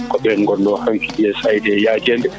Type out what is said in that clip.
koɓen gonno hanki USAID yajede